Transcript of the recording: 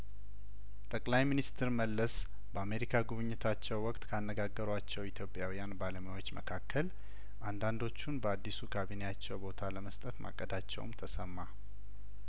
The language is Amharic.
ጠቅላይ ሚኒስትር መለስ በአሜሪካ ጉብኝታቸው ወቅት ካነጋገሯቸው ኢትዮጵያውያን ባለሙያዎች መካከል አንዳንዶቹን በአዲሱ ካቢኔያቸው ቦታ ለመስጠት ማቀዳቸውም ተሰማ